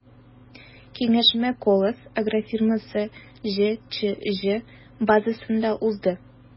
Киңәшмә “Колос” агрофирмасы” ҖЧҖ базасында узды.